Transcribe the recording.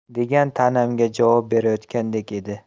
degan ta'namga javob berayotgandek edi